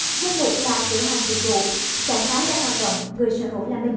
danh mục là cửa hàng dịch vụ trạng thái đang hoạt động người sở hữu là mình